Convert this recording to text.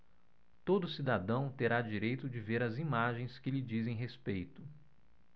todo cidadão terá direito de ver as imagens que lhe dizem respeito